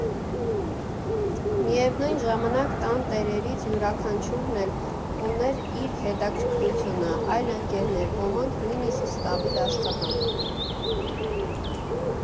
Միևնույն ժամանակ տան տերերից յուրաքանչյուրն էլ ուներ իր հետաքրքրությունը, այլ ընկերներ, ոմանք՝ նույնիսկ ստաբիլ աշխատանք։